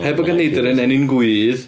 Hebog a neidr yn ennyn gwydd.